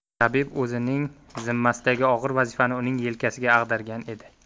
tabib o'zining zimmasidagi og'ir vazifani uning yelkasiga ag'dargan edi